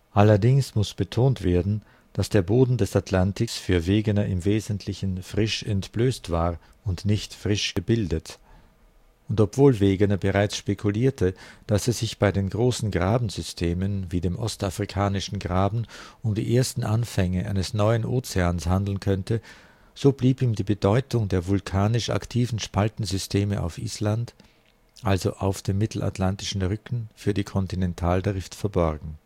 Allerdings muss betont werden, dass der Boden des Atlantiks für Wegener im Wesentlichen frisch entblößt war und nicht „ frisch gebildet “. Und obwohl Wegener bereits spekulierte, dass es sich bei den großen Grabensystemen, wie dem Ostafrikanischen Graben, um die ersten Anfänge eines neuen Ozeans handeln könnte, so blieb ihm die Bedeutung der vulkanisch aktiven Spaltensysteme auf Island (also auf dem Mittelatlantischen Rücken) für die Kontinentaldrift verborgen